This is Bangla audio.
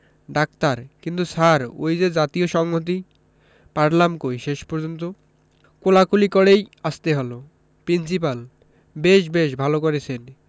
ডাক্তার কিন্তু স্যার ওই যে জাতীয় সংহতি পারলাম কই শেষ পর্যন্ত কোলাকুলি করেই আসতে হলো প্রিন্সিপাল বেশ বেশ ভালো করেছেন